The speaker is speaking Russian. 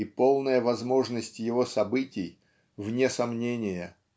И полная возможность его событий - вне сомнения.